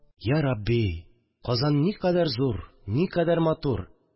Йа Рабби, Казан никадәр зур! Никадәр матур!